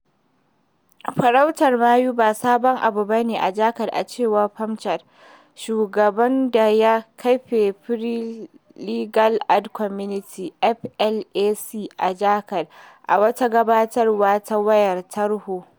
Farautar mayu ba sabon abu bane a Jharkhand a cewar Prem Chand, shugaban da ya kafa Free Legal Aid Committee (FLAC) a Jharkhand, a wata ganawa ta wayar tarho.